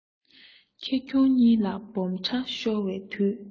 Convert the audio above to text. ཁེ གྱོང གཉིས ལ སྦོམ ཕྲ ཤོར བའི དུས